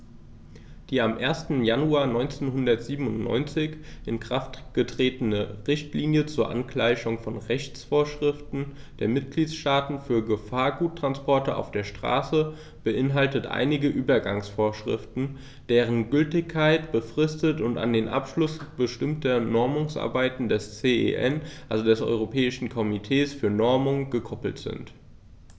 Die am 1. Januar 1997 in Kraft getretene Richtlinie zur Angleichung von Rechtsvorschriften der Mitgliedstaaten für Gefahrguttransporte auf der Straße beinhaltet einige Übergangsvorschriften, deren Gültigkeit befristet und an den Abschluss bestimmter Normungsarbeiten des CEN, also des Europäischen Komitees für Normung, gekoppelt ist.